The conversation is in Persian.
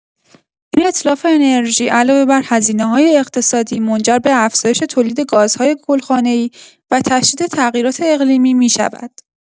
این اتلاف انرژی علاوه بر هزینه‌های اقتصادی، منجر به افزایش تولید گازهای گلخانه‌ای و تشدید تغییرات اقلیمی می‌شود.